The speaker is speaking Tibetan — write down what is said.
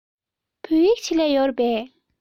བོད ཡིག ཆེད ལས ཡོད རེད པས